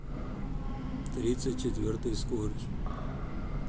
тридцать четвертый скорый